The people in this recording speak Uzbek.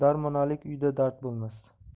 darmonalik uyda dard bo'lmas